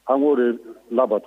An k'o de labantɔ